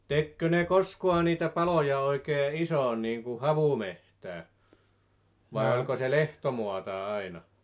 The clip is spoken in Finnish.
tekikö ne koskaan niitä paloja oikein isoon niin kuin havumetsään vai oliko se lehtomaata aina